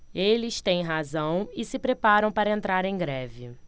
eles têm razão e se preparam para entrar em greve